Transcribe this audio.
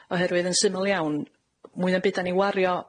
Oherwydd yn syml iawn, mwya'n byd 'da ni'n wario